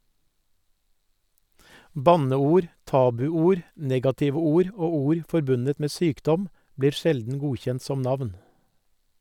Banneord, tabuord, negative ord og ord forbundet med sykdom blir sjelden godkjent som navn.